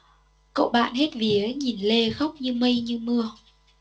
cậu bạn hết vía nhìn lê khóc như mây như mưa